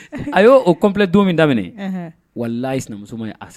A y'o o complet don min daminɛ, anhan, walahi sinamuso ma y'a